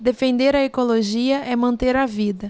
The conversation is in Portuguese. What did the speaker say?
defender a ecologia é manter a vida